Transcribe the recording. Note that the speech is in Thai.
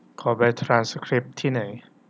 ขอใบทรานสคริปต์ที่ไหน